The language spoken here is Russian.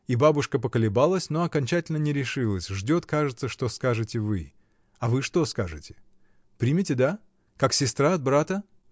И бабушка поколебалась, но окончательно не решилась, ждет, кажется, что скажете вы. А вы что скажете? Примете, да? как сестра от брата?